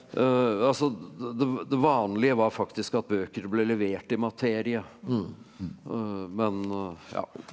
altså det det vanlige var faktisk at bøker ble levert i materie men ja.